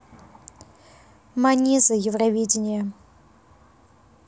manizha евровидение